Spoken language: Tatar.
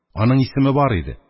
Аның исеме бар иде.